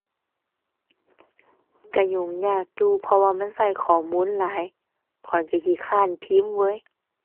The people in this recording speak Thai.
ก็ยุ่งยากอยู่ เพราะว่ามันก็ข้อมูลหลาย ข้อยก็ขี้คร้านพิมพ์เว้ย